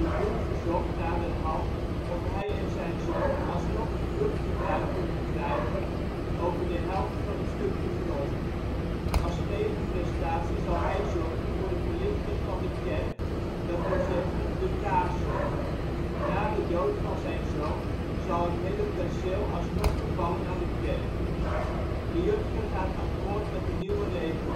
boer verzocht naderhand of hij en zijn zoon alsnog het vruchtgebruik kunnen krijgen over de helft van het stukje grond. Als tegenprestatie zal hij zorgen voor de verlichting van de kerk, dat wil zeggen de kaarsen. Na de dood van zijn zoon zal het hele perceel alsnog vervallen aan de kerk. Liudger gaat akkoord met de nieuwe regeling